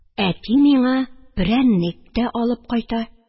Әти миңа прәннек тә алып кайта.